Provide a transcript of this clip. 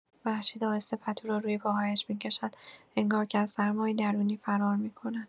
مهشید آهسته پتو را روی پاهایش می‌کشد، انگار که از سرمایی درونی فرار می‌کند.